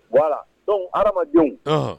Bon dɔn hadamadenw